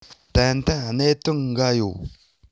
ཏན ཏན གནད དོན འགའ ཡོད